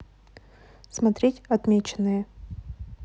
смотреть отмеченные